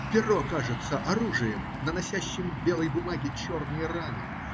перо кажется оружием, наносящим белой бумаге черные раны.